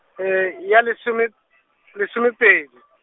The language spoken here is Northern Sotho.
ya lesome, lesomepedi.